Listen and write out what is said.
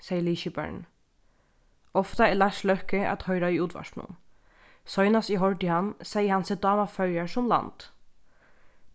segði liðskiparin ofta er lars løkke at hoyra í útvarpinum seinast eg hoyrdi hann segði hann seg dáma føroyar sum land